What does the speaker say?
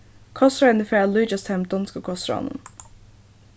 kostráðini fara at líkjast teimum donsku kostráðunum